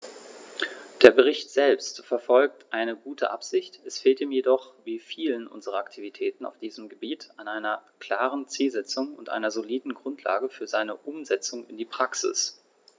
Der Bericht selbst verfolgt eine gute Absicht, es fehlt ihm jedoch wie vielen unserer Aktivitäten auf diesem Gebiet an einer klaren Zielsetzung und einer soliden Grundlage für seine Umsetzung in die Praxis.